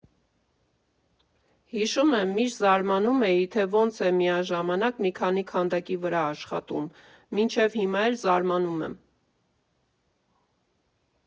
Հիշում եմ՝ միշտ զարմանում էի, թե ոնց է միաժամանակ մի քանի քանդակի վրա աշխատում (մինչև հիմա էլ զարմանում եմ)։